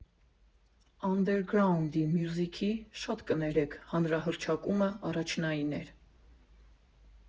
Անդերգրաունդ մյուզիքի, շատ կներեք, հանրահռչակումը, առաջնային էր։